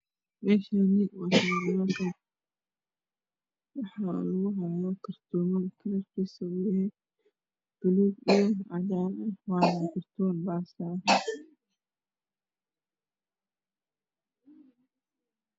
Meshaani waa shilin morgan waxaa laku yahaa kartoman kalarkiisu oo yahay baluug iyo cadaanwaan kartoon bastaa